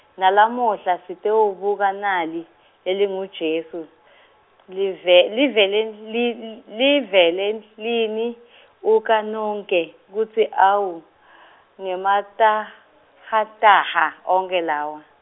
nalamuhla sitewubuka nali, lelinguJesu , live, livele li l- livele lini , uka nonkhe kutsi awu , ngematahataha onke lawa.